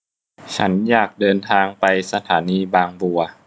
ฉันอยากเดินทางไปสถานีบางบัว